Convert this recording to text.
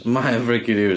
Mae o'n breaking news.